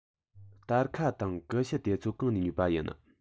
སྟར ཁ དང ཀུ ཤུ དེ ཚོ གང ནས ཉོས པ ཡིན